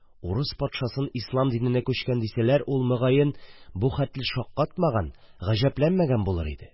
Урыс патшасын ислам диненә күчкән дисәләр, ул, могаен, бу хәтле шаккатмаган, гаҗәпләнмәгән булыр иде.